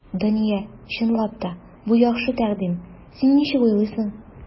Дания, чынлап та, бу яхшы тәкъдим, син ничек уйлыйсың?